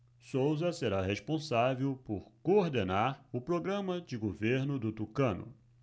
souza será responsável por coordenar o programa de governo do tucano